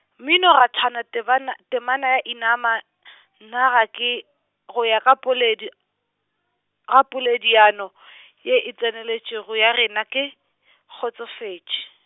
mminorathwana tee bana, temana ya inama , nna ga ke , go ya ka poledi , ga poledi ano , ye e tseneletšego ya rena ke, kgotsofetše.